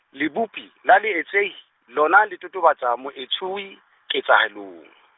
Lebopi, la leetsehi, lona le totobatsa moetsuwi, ketsahalong.